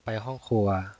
ไปห้องครัว